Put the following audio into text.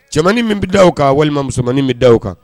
Cɛmanmani min bɛ da' u kan walima musomanmani min bɛ da' u kan